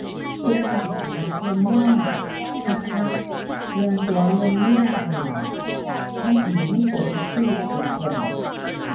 ส่วนใหญ่ก็สิมักเบิ่งแนวก็ก็ เรื่องผัว เรื่องเมียกันนี่ล่ะ มันอิน มันตรงกับชีวิตจริงเพิ่นน่ะ